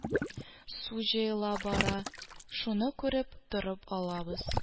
Су җыела бара, шуны куреп торып алабыз